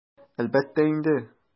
Әлбәттә инде!